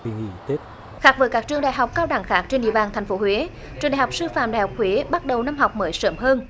kỳ nghỉ tết khác với các trường đại học cao đẳng khác trên địa bàn thành phố huế trường đại học sư phạm đại học huế bắt đầu năm học mới sớm hơn